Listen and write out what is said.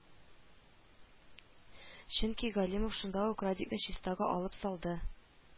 Чөнки Галимов шунда ук Радикның чистага алып салды